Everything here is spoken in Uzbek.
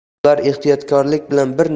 ular ehtiyotlik bilan bir